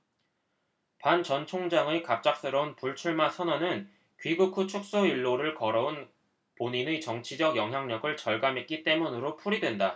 반 전총장의 갑작스러운 불출마선언은 귀국 후 축소일로를 걸어 온 본인의 정치적 영향력을 절감했기 때문으로 풀이된다